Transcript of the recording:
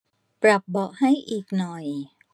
ปรับเบาะให้อีกหน่อย